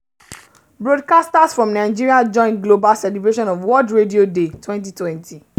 Broadcasters from Nigeria join global celebration of World Radio Day 2020